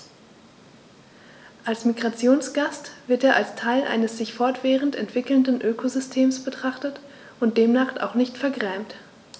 Als Migrationsgast wird er als Teil eines sich fortwährend entwickelnden Ökosystems betrachtet und demnach auch nicht vergrämt.